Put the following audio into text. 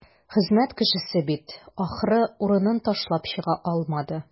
Хезмәт кешесе бит, ахры, урынын ташлап чыга алмады.